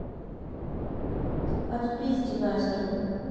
отпизди настю